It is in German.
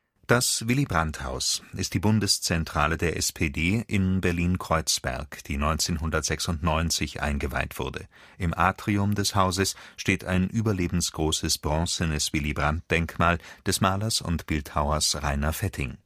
Das Willy-Brandt-Haus ist die Bundeszentrale der SPD in Berlin-Kreuzberg, die 1996 eingeweiht wurde. Im Atrium des Hauses steht ein überlebensgroßes bronzenes Willy-Brandt-Denkmal des Malers und Bildhauers Rainer Fetting